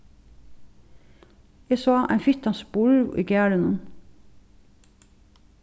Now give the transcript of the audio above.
eg sá ein fittan spurv í garðinum